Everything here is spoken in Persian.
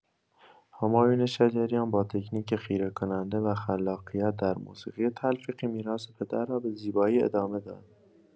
همایون شجریان با تکنیک خیره‌کننده و خلاقیت در موسیقی تلفیقی، میراث پدر را به زیبایی ادامه داد.